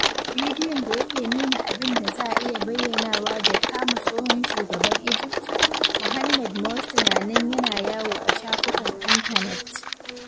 Bidiyon da yake nuna abin da za a iya bayyanawa da kama tsohon Shugaban Egypt, Mohammed Morsi na nan yana yawo a shafukan intanet.